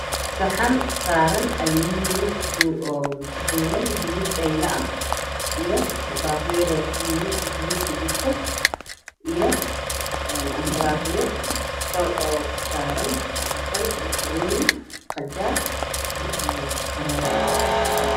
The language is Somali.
Saxan saaran almuuniyam oo ku duuban hilib dhaylo ah iyo baaquli yar oo suugo ku jirto iyo ansalaato yar kor oo ka saaran basal banbanooni qajaar iyo karooto